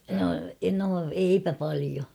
no no eipä paljon